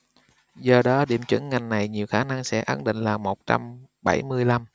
do đó điểm chuẩn ngành này nhiều khả năng sẽ ấn định là một trăm bảy mươi lăm